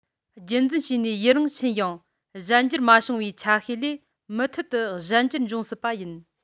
རྒྱུད འཛིན བྱས ནས ཡུན རིང ཕྱིན ཡང གཞན འགྱུར མ བྱུང བའི ཆ ཤས ལས མུ མཐུད དུ གཞན འགྱུར འབྱུང སྲིད པ ཡིན